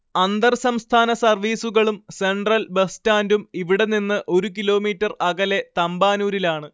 അന്തർസംസ്ഥാന സർവീസുകളും central bus സ്റ്റാൻഡും ഇവിടെനിന്ന് ഒരു കിലോമീറ്റർ അകലെ തമ്പാനൂരിലാണ്‌